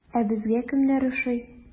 Ә безгә кемнәр ошый?